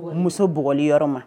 Muso bugɔli yɔrɔ ma